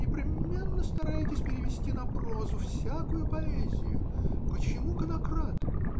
Вы непременно стараетесь перевести на прозу всякую поэзию. Почему конокрад?